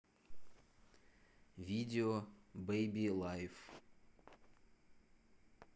видео бейби лайф